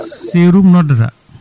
Sirum noddata